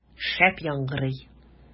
Шәп яңгырый!